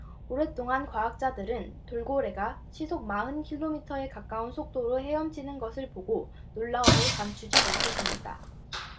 오랫동안 과학자들은 돌고래가 시속 마흔 킬로미터에 가까운 속도로 헤엄치는 것을 보고 놀라움을 감추지 못했습니다